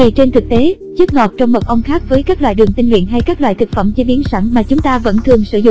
vì trên thực tế chất ngọt trong mật ong khác với các loại đường tinh luyện hay các loại thực phẩm chế biến sẵn mà chúng ta vẫn thường sử dụng